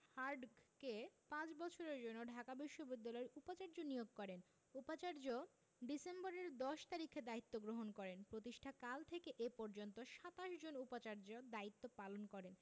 হার্টগকে পাঁচ বছরের জন্য ঢাকা বিশ্ববিদ্যালয়ের উপাচার্য নিয়োগ করেন উপাচার্য ডিসেম্বরের ১০ তারিখে দায়িত্ব গ্রহণ করেন প্রতিষ্ঠাকাল থেকে এ পর্যন্ত ২৭ জন উপাচার্য দায়িত্ব পালন করেন